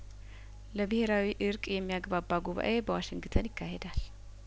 ለብሄራዊ እርቅ የሚያግባባ ጉባኤ በዋሽንግተን ይካሄዳል